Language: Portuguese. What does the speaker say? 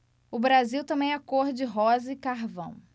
o brasil também é cor de rosa e carvão